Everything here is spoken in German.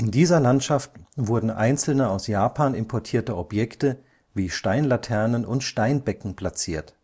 dieser Landschaft wurden einzelne aus Japan importierte Objekte wie Steinlaternen und - becken platziert